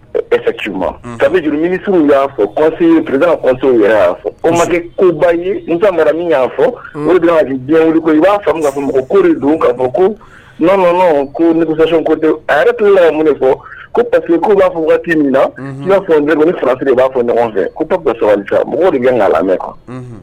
Sabu juruuru minisiw y'a fɔsɔn yɛrɛ y'a fɔ ko ma koba ye n mara min y'a fɔ' diya wili ko i b'a fɔ'a fɔ mɔgɔ ko dun k'a fɔ ko nɔnɔɔnɔ ko nikisɛ ko a yɛrɛ tunla mun fɔ pa'u b'a fɔ waati min na i y'a fɔ n filati de b'a fɔ ɲɔgɔn fɛ ko mɔgɔ de bɛga lamɛn kan